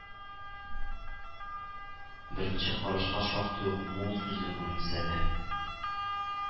Беренче карашка шактый ук мул сүзле күренсә дә,